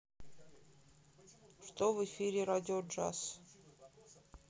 что в эфире радио джаз